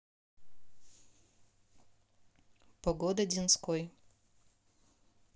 погода динской